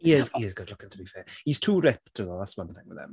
He is, he is good looking to be fair. He's too ripped though. That's one thing with him.